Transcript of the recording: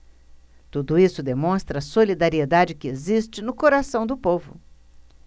tudo isso demonstra a solidariedade que existe no coração do povo